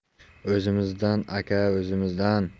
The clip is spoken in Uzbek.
o'zimizdan aka o'zimizdan